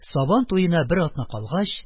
Сабан туена бер атна калгач,